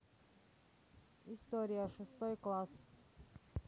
история шестой класс